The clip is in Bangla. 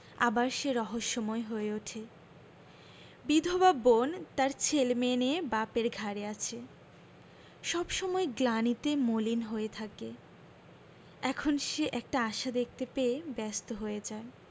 আবার সে রহস্যময় হয়ে উঠে বিধবা বোন তার ছেলেমেয়ে নিয়ে বাপের ঘাড়ে আছে সব সময় গ্লানিতে মলিন হয়ে থাকে এখন সে একটা আশা দেখতে পেয়ে ব্যস্ত হয়ে যায়